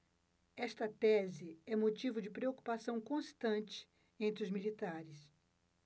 esta tese é motivo de preocupação constante entre os militares